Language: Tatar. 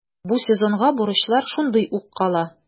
Бу сезонга бурычлар шундый ук кала.